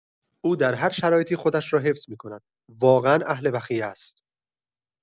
او در هر شرایطی خودش را حفظ می‌کند، واقعا اهل بخیه است.